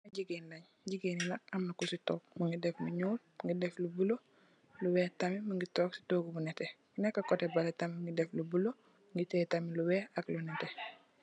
Jegueen la am na kusi tok def lu nyul mu ngi def lu bollu lu weex tamit mu ngi tok def lu nete lu ne ci cote mballe tamit mu ngi def bullo ak mu ngi tiye tamit lu weex ak lu nete.